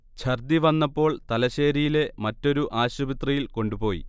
ഛർദ്ദി വന്നപ്പോൾ തലശേരിയിലെ മറ്റൊരു ആശുപത്രിയിൽ കൊണ്ടുപോയി